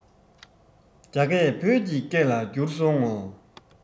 རྒྱ སྐད བོད ཀྱི སྐད ལ འགྱུར སོང ངོ